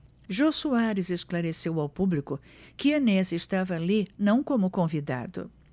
jô soares esclareceu ao público que enéas estava ali não como convidado